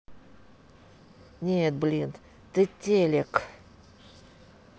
нет блин ты телек